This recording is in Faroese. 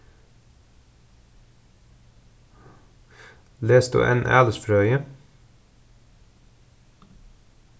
lesur tú enn alisfrøði